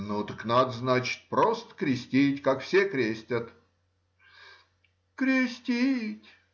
— Ну, так надо, значит, просто крестить, как все крестят. — Крестить.